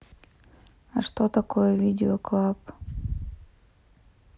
а что такое video club